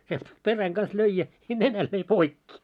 sieltä perän kanssa löi ja nenän löi poikki